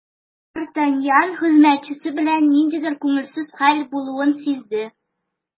Д’Артаньян хезмәтчесе белән ниндидер күңелсез хәл булуын сизде.